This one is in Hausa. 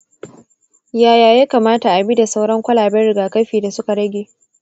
yaya ya kamata a bi da sauran kwalaben rigakafi da suka rage?